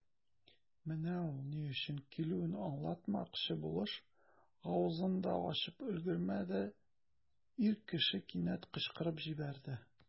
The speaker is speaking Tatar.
Менә ул, ни өчен килүен аңлатмакчы булыш, авызын да ачып өлгермәде, ир кеше кинәт кычкырып җибәрде.